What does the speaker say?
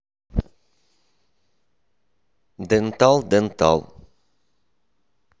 дентал дентал